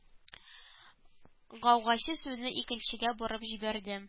Гаугачы сүзне икенчегә борып җибәрде